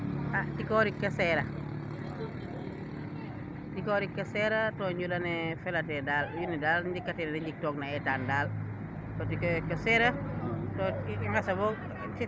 a tikoorik ke seera tikoorik ke seera to njula ne fela tee daal to wiin we ndaal njik tate neede njik toog na eetan daal to tikorik ke seera to i ngesa boo